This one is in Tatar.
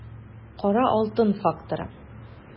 Кара алтын факторы